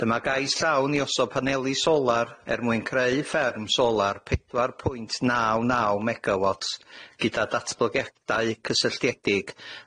Dyma gais llawn i osod paneli solar er mwyn creu fferm solar pedwar pwynt naw naw megawats gyda datblygiadau cysylltiedig.